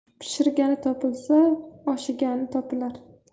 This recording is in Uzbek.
pishirgani topilsa oshiigani topilar